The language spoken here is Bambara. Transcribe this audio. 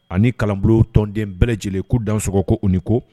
Ani kalanbulon tɔnden bɛɛ lajɛlen k'u dansogo k'u ni ko